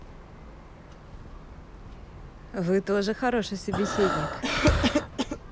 вы тоже хороший собеседник